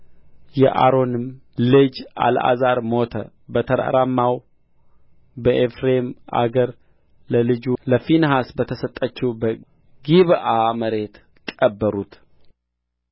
የአሮንም ልጅ አልዓዛር ሞተ በተራራማውም በኤፍሬም አገር ለልጁ ለፊንሐስ በተሰጠችው በጊብዓ መሬት ቀበሩት